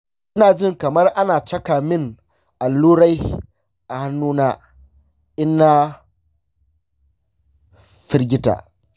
ina jin kamar ana caka min allurai a hannuna in na firgita.